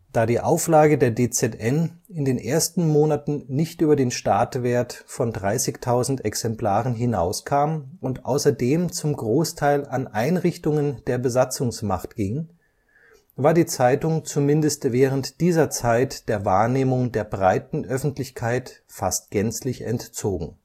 Da die Auflage der DZN in den ersten Monaten nicht über den Startwert von 30.000 Exemplaren hinauskam und außerdem zum Großteil an Einrichtungen der Besatzungsmacht ging, war die Zeitung zumindest während dieser Zeit der Wahrnehmung der breiten Öffentlichkeit fast gänzlich entzogen